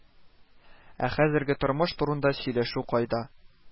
Ә хәзерге тормыш турында сөйләшү кайда